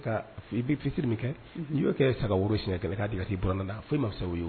I bɛ fitirisiri min kɛ n y'o kɛ saga woro siɲɛ kɛ k'a diti buran la fo foyi ma ye